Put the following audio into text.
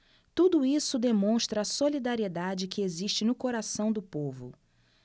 tudo isso demonstra a solidariedade que existe no coração do povo